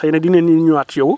xëy na dinañu ñëwaat ci yow